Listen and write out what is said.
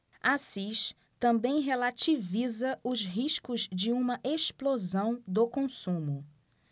assis também relativiza os riscos de uma explosão do consumo